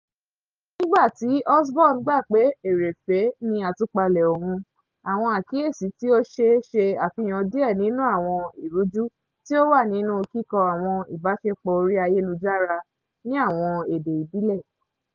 Nígbà tí Osborn gbà pé èrèfèé ni àtúpalẹ̀ òun, àwọn àkíyèsí tí ó ṣe ṣe àfihàn díẹ̀ nínú àwọn ìrújú tí ó wà nínú kíkọ́ àwọn ìbáṣepọ̀ orí ayélujára ní àwọn èdè ìbílẹ̀.